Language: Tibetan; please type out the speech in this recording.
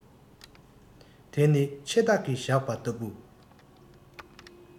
དེ ནི འཆི བདག གི ཞགས པ ལྟ བུ